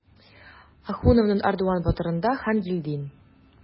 Ахуновның "Ардуан батыр"ында Хангилдин.